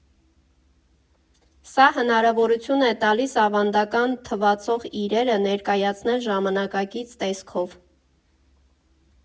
Սա հնարավորություն է տալիս ավանդական թվացող իրերը ներկայացնել ժամանակակից տեսքով։